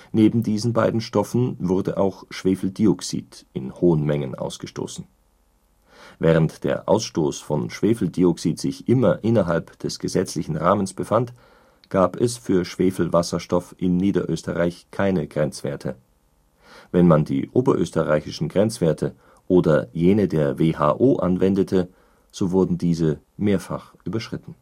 Neben diesen beiden Stoffen wurde auch Schwefeldioxid in hohen Mengen ausgestoßen. Während der Ausstoß von Schwefeldioxid sich immer innerhalb des gesetzlichen Rahmens befand, gab es für Schwefelwasserstoff in Niederösterreich keine Grenzwerte. Wenn man die oberösterreichischen Grenzwerte oder jene der WHO anwendete, so wurden diese mehrfach überschritten